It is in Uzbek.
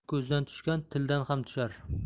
ko'zdan tushgan tildan ham tushar